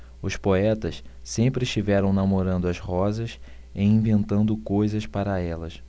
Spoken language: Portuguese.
os poetas sempre estiveram namorando as rosas e inventando coisas para elas